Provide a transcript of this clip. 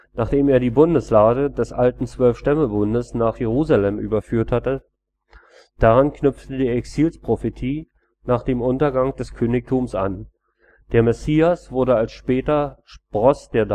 nachdem er die Bundeslade des alten 12-Stämmebundes nach Jerusalem überführt hatte. Daran knüpfte die Exilsprophetie nach dem Untergang des Königtums an: Der Messias wurde als später „ Spross “der